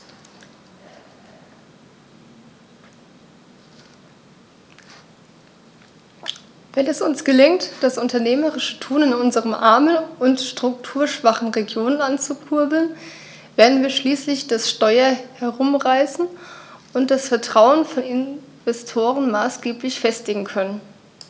Wenn es uns gelingt, das unternehmerische Tun in unseren armen und strukturschwachen Regionen anzukurbeln, werden wir schließlich das Steuer herumreißen und das Vertrauen von Investoren maßgeblich festigen können.